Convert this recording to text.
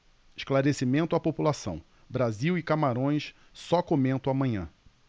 esclarecimento à população brasil e camarões só comento amanhã